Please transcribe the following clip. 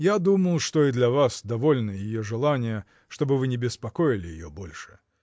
Я думал, что и для вас довольно ее желания, чтобы вы не беспокоили ее больше.